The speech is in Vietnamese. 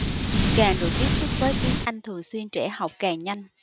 càng được tiếp xúc với tiếng anh thường xuyên trẻ học càng nhanh